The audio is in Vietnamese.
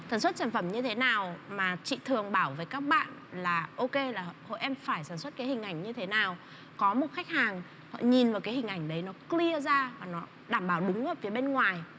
sản xuất sản phẩm như thế nào mà chị thường bảo với các bạn là ô kê là hội em phải sản xuất cái hình ảnh như thế nào có một khách hàng họ nhìn vào cái hình ảnh đấy nó cờ lia ra và nó đảm bảo đúng ở phía bên ngoài